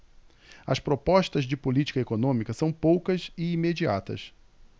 as propostas de política econômica são poucas e imediatas